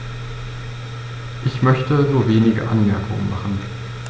Ich möchte nur wenige Anmerkungen machen.